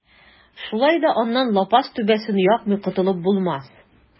Шулай да аннан лапас түбәсен япмый котылып булмас.